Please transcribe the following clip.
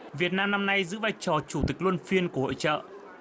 việt nam năm nay giữ vai trò chủ tịch luân phiên của hội chợ